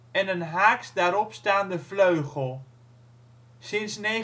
en een haaks daarop staande vleugel. Sinds 1921